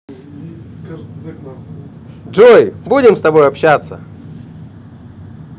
джой будем с тобой общаться